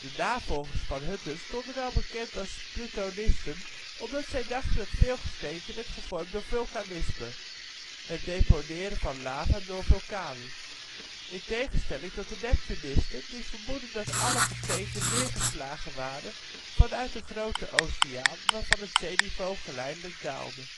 navolgers van Hutton stonden wel bekend als plutonisten omdat zij dachten dat veel gesteenten werden gevormd door vulkanisme, het deponeren van lava door vulkanen, in tegenstelling tot de neptunisten, die vermoedden dat alle gesteenten neergeslagen waren vanuit een grote oceaan waarvan het zeeniveau geleidelijk daalde